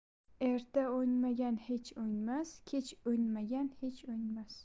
erta o'ngmagan kech o'ngmas kech o'ngmagan hech o'ngmas